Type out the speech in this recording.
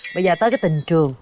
bây giờ tới cái tình trường